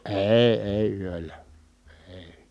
ei ei yöllä ei